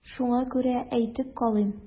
Шуңа күрә әйтеп калыйм.